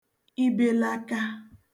ibelaka